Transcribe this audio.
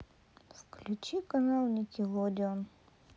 включи канал никелодион